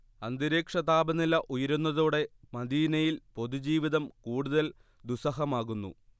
അന്തരീക്ഷതാപനില ഉയരുന്നതോടെ മദീനയിൽ പൊതുജീവിതം കൂടുതൽ ദുസ്സഹമാകുന്നു